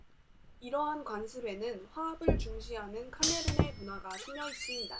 이러한 관습에는 화합을 중시하는 카메룬의 문화가 스며 있습니다